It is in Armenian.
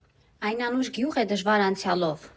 Այն անուշ գյուղ է, դժվար անցյալով։